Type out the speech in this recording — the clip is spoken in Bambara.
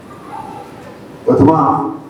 Ba